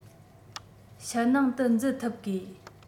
ཤད ནང དུ འཛུལ ཐུབ དགོས